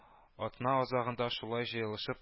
Атна азагында шулай җыелышып